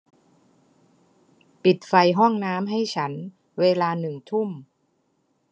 ปิดไฟห้องน้ำให้ฉันเวลาหนึ่งทุ่ม